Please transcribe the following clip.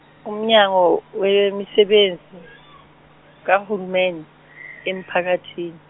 uMnyango, wemiSebenzi, kaHulumeni, emPhakathini.